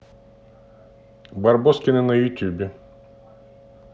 барбоскины на ютюбе